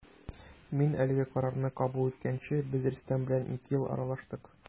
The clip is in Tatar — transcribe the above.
Мин әлеге карарны кабул иткәнче без Рөстәм белән ике ел аралаштык.